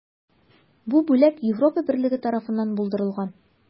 Бу бүләк Европа берлеге тарафыннан булдырылган.